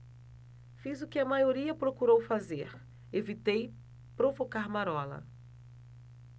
fiz o que a maioria procurou fazer evitei provocar marola